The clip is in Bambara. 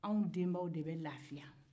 anw denbaw de bɛ lafiya